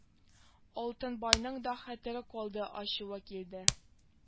Алтынбайның да хәтере калды ачуы килде